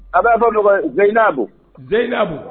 A b'a dɔn nɔgɔ zeyiinabu zyi ininabu